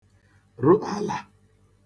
rụ àlà